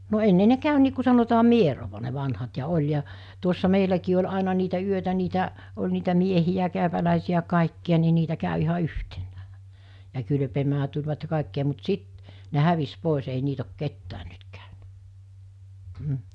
no ennen ne kävi niin kuin sanotaan mieroa ne vanhat ja oli ja tuossa meilläkin oli aina niitä yötä niitä oli niitä miehiä käypäläisiä kaikkia niin niitä kävi ihan yhtenään ja kylpemään tulivat ja kaikkia mutta sitten ne hävisi pois ei niitä ole ketään nyt käynyt mm